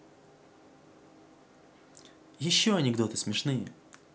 еще анекдоты смешные